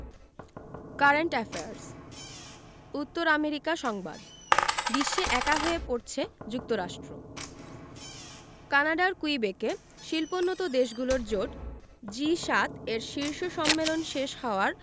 current affairs উত্তর America সংবাদ বিশ্বে একা হয়ে পড়ছে যুক্তরাষ্ট্র কানাডার কুইবেকে শিল্পোন্নত দেশগুলোর জোট জি ৭ এর শীর্ষ সম্মেলন শেষ হওয়ার